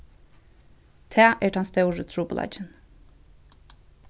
tað er tann stóri trupulleikin